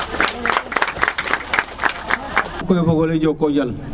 o fogole njoko njal